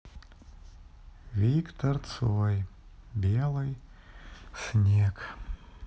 виктор цой белый снег